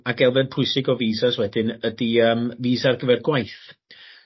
ac elfen pwysig o visas wedyn ydi yym visa ar gyfer gwaith.